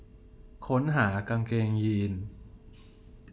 ค้นหากางเกงยีน